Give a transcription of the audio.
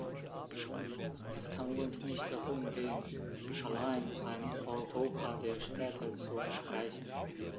Es kann uns nicht darum gehen, allein ein Europa der Städte zu errichten.